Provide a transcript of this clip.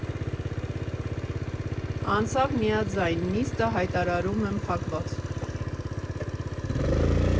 Անցավ միաձայն, Նիստը հայտարարում եմ փակված։